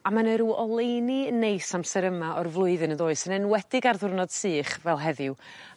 a ma' 'na rw oleuni neis amser yma o'r flwyddyn yndoes yn enwedig ar ddirnod sych fel heddiw.